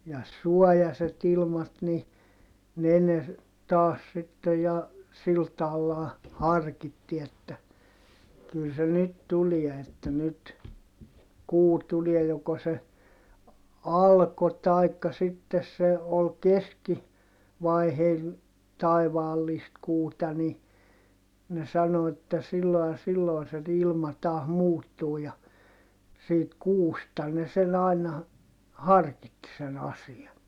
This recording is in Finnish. ja suojaiset ilmat niin ne ne taas sitten ja sillä tavallahan harkitsi että kyllä se nyt tulee että nyt kuu tulee joko se alkoi tai sitten se oli - keskivaiheilla taivaallista kuuta niin ne sanoi että silloin ja silloin se ilma taas muuttuu ja siitä kuusta ne sen aina harkitsi sen asian